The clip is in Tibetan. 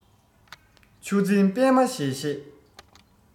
ཆུ འཛིན པད མ བཞད བཞད